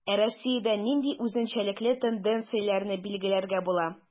Ә Россиядә нинди үзенчәлекле тенденцияләрне билгеләргә була?